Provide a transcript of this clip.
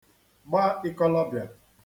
gba ịkọlọbịà